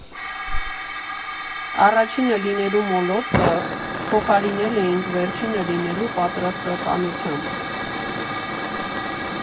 Առաջինը լինելու մոլուցքը փոխարինել էինք վերջինը լինելու պատրաստակամությամբ։